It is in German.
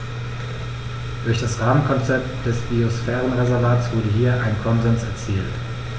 Durch das Rahmenkonzept des Biosphärenreservates wurde hier ein Konsens erzielt.